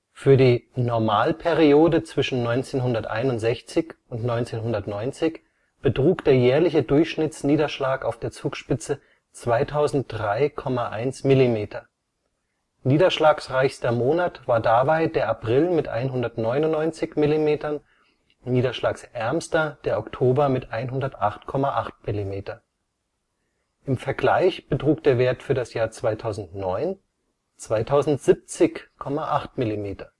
Für die Normalperiode zwischen 1961 und 1990 betrug der jährliche Durchschnittsniederschlag auf der Zugspitze 2003,1 mm, niederschlagsreichster Monat war dabei der April mit 199 mm, niederschlagsärmster der Oktober mit 108,8 mm. Im Vergleich betrug der Wert für das Jahr 2009 2070,8 mm